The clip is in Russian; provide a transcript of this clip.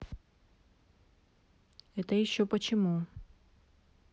это еще почему